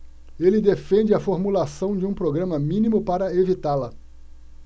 ele defende a formulação de um programa mínimo para evitá-la